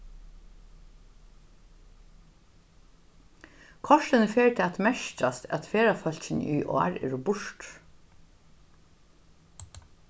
kortini fer tað at merkjast at ferðafólkini í ár eru burtur